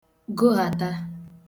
gohàta